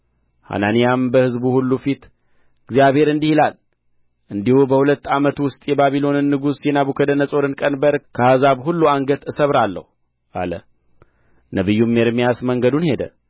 ሐናንያም በሕዝብ ሁሉ ፊት እግዚአብሔር እንዲህ ይላል እንዲሁ በሁለት ዓመት ውስጥ የባቢሎንን ንጉሥ የናቡከደነፆርን ቀንበር ከአሕዛብ ሁሉ አንገት እሰብራለሁ አለ